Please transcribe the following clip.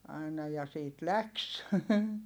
aina ja siitä lähti